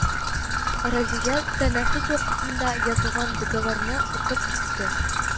Разия тәнәфес вакытында язылган договорны укып китте: